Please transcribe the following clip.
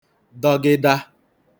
dọgịda